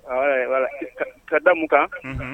Ka da mun kan